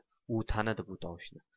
u tanidi bu tovushni